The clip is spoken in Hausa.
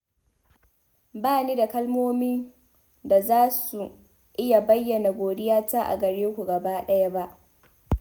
Ba ni da kalmomin da za su iya bayyana godiyata a gare ku gaba ɗaya ba.